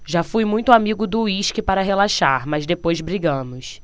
já fui muito amigo do uísque para relaxar mas depois brigamos